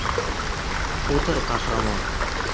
o'tir qahramon